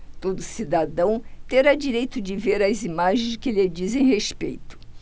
todo cidadão terá direito de ver as imagens que lhe dizem respeito